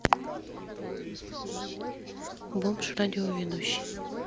бомж радиоведущий